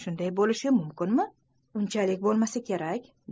shunday bo'lishi mumkinmiunchalik bo'lmasa kerak